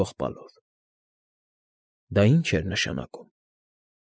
Ողբալով։ Դա ի՞նչ էր նշանակում։